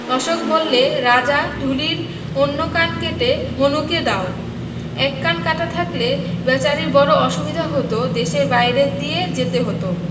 অশ্বখ বললে রাজা ঢুলির অন্য কান কেটে হনুকে দাও এক কান কাটা থাকলে বেচারির বড়ো অসুবিধা হতদেশের বাইরে দিয়ে যেতে হত